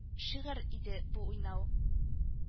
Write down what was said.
Шигырь иде бу уйнау